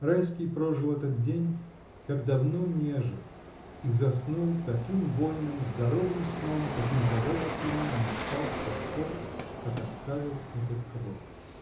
Райский прожил этот день, как давно не жил, и заснул таким вольным, здоровым сном, каким, казалось ему, не спал с тех пор, как оставил этот кров.